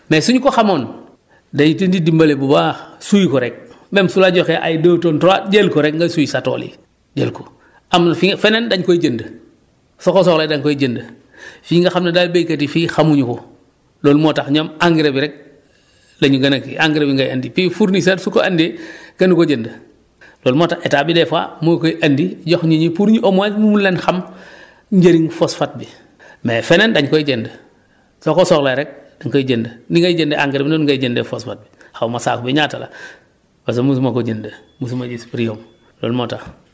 mais su ñu ko xamoon dañ ci ni dimbale bu baax suy ko rek même su la joxee ay deux tonnes trois jël ko rek nga suy sa tool yi jël ko am na fi nga feneen daén koy jënd soo ko soxlawee da nga koy jënd fii nga xam ne daal béykat yi fii xamuñu ko loolu moo tax ñoom engrais bi rek la ñu gën a kii engrais bi ngay andi fii fournisseur su ko andee kenn du ko jënd loolu moo tax état bi des fois moo koy andi jox nit ñu pour ñu au moins ñu mun leen xam njëriñ phosphate bi mais feneen daén koy jënd soo ko soxlawee rek da nga koy jënd ni ngay jëndee engrais bi noonu ngay jëndee phosphate bi xaw ma saako bi ñaata la parce que mosuma ko jënd mosuma gis prix am loolu moo tax